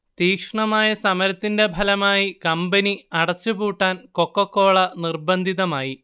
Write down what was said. തീക്ഷണമായ സമരത്തിന്റെ ഫലമായി കമ്പനി അടച്ചുപൂട്ടാൻ കൊക്കക്കോള നിർബന്ധിതമായി